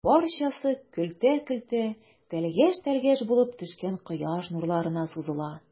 Барчасы көлтә-көлтә, тәлгәш-тәлгәш булып төшкән кояш нурларына сузыла.